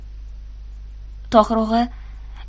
tohir og'a